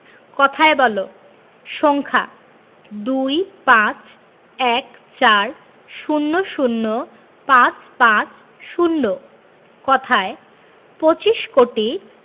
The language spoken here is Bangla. কথায় বলঃ সংখ্যাঃ ২৫ ১৪ ০০ ৫৫০ কথায়ঃ পঁচিশ কোটি